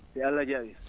si Allah ja?ii